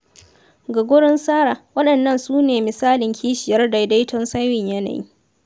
Ga gurin Sarah, waɗannan su ne misalan ''kishiyar daidaton sauyin yanayi''